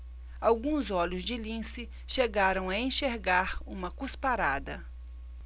alguns olhos de lince chegaram a enxergar uma cusparada